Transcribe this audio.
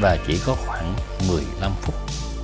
và chỉ có khoảng mười lăm phút